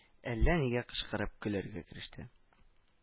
Әллә нигә кычкырып көләргә кереште